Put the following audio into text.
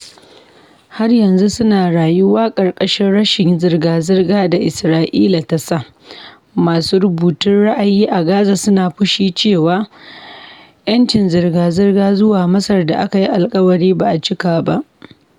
Har yanzu suna rayuwa ƙarƙashin rashin zirga-zirga da Isra’ila tasa, masu rubutun ra'ayi a Gaza suna fushi cewa ƴanncin zirga-zirga zuwa Masar da aka yi alkawarin ba'a cika ba.